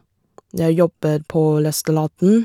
Jeg jobber på restauranten.